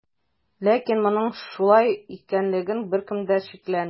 Ләкин моның шулай икәнлегенә беркем дә шикләнми.